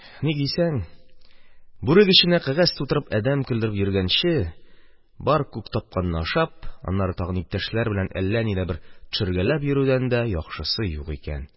Ник дисәң, бүрек эченә кәгазь тутырып адәм көлдереп йөргәнче, бар тапканны ашап, аннары тагын иптәшләр белән әллә нидә бер төшергәләп йөрүдән дә яхшысы юк икән